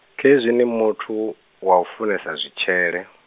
khezwi ni muthu, wau funesa zwitshele?